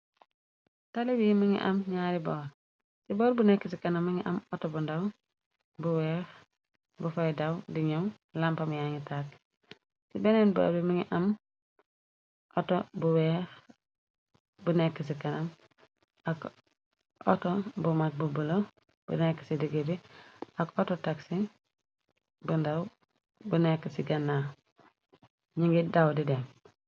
Talibi mi ngi am ñaari boor, ci boor bu nekk ci kanam mingi am auto bundaw, bu weex, bu fay daw di ñuw, lampam yani tàkk, ci beneen boror bi mingi am auto bu weex , bu nekk ci kanam, ak auto bu mag bu bulo, bu nekk ci digg bi, ak auto taxi bu ndaw, bu nekk ci ganna ñi ngi daw di dem.